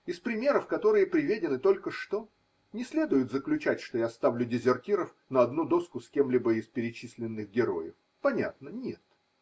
Из примеров, которые приведены только что, не следует заключать, что я ставлю дезертиров на одну доску с кем-либо из перечисленных героев. Понятно, нет.